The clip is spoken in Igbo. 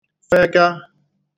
fega